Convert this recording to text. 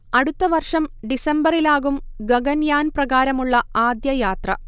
അടുത്ത വർഷം ഡിസംബറിലാകും ഗഗൻയാൻ പ്രകാരമുള്ള ആദ്യ യാത്ര